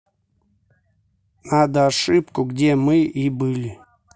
надо ошибку где мы и были